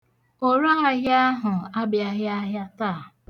Oraahịa ahụ abịaghị ahịa taa.